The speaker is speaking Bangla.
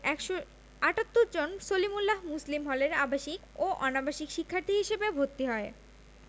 ১৭৮ জন সলিমুল্লাহ মুসলিম হলের আবাসিক ও অনাবাসিক শিক্ষার্থী হিসেবে ভর্তি হয়